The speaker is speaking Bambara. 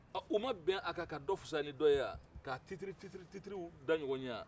ɔ u ma bɛn a kan ka dɔ fisaya ni dɔ ye a ka titri titri titri da ɲɔgɔn ɲɛ wa